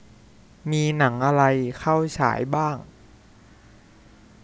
มีหนังอะไรเข้าฉายบ้าง